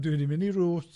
Dwi'n mynd i Roots.